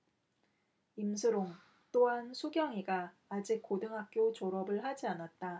임슬옹 또한 수경이가 아직 고등학교 졸업을 하지 않았다